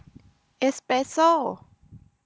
เอสเปสโซ่